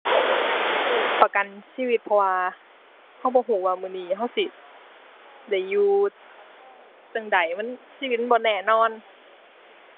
ประกันชีวิต เพราะว่าเราบ่เราว่ามื้อนี้เราสิได้อยู่จั่งใด มัน ชีวิตมันบ่แน่นอน